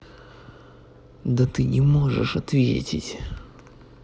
да ты не можешь ответить